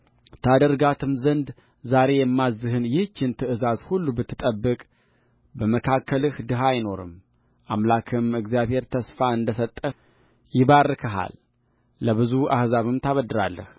ታደርጋትም ዘንድ ዛሬ የማዝዝህን ይህችን ትእዛዝ ሁሉ ብትጠብቅ በመካከልህ ድሀ አይኖርም አምላክህም እግዚአብሔር ተስፋ እንደ ሰጠህ ይባርክሃል ለብዙ አሕዛብም ታበድራለህ